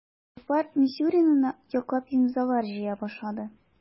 Табиблар Мисюринаны яклап имзалар җыя башлады.